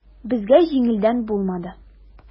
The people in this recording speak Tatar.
Безгә җиңелдән булмады.